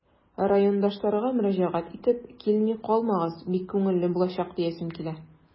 Райондашларга мөрәҗәгать итеп, килми калмагыз, бик күңелле булачак диясем килә.